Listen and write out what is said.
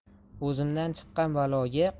o'zimdan chiqqan baloga